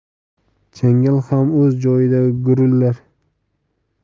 changal ham o'z joyida gurillar